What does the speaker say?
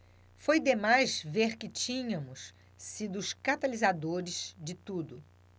foi demais ver que tínhamos sido os catalisadores de tudo